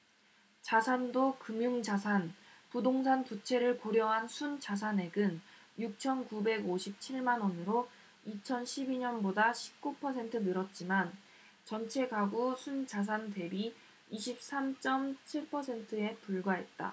자산도 금융자산 부동산 부채를 고려한 순자산액은 육천 구백 오십 칠 만원으로 이천 십 이 년보다 십 구 퍼센트 늘었지만 전체가구 순자산 대비 이십 삼 쩜 칠 퍼센트에 불과했다